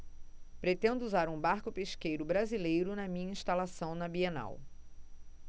pretendo usar um barco pesqueiro brasileiro na minha instalação na bienal